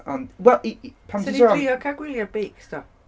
Ond wel i-... Wnaethon ni drio cael gwyliau beics, do?